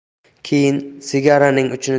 keyin sigaraning uchini